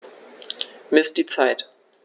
Miss die Zeit.